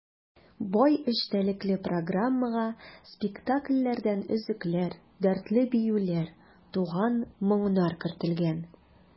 Бай эчтәлекле программага спектакльләрдән өзекләр, дәртле биюләр, туган моңнар кертелгән.